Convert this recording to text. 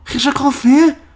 Chi eisiau coffi?